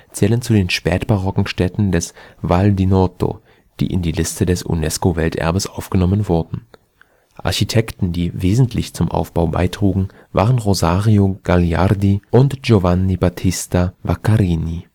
zählen zu den spätbarocken Städten des Val di Noto, die in die Liste des UNESCO-Welterbes aufgenommen wurden. Architekten, die wesentlich zum Wiederaufbau beitrugen, waren Rosario Gagliardi und Giovanni Battista Vaccarini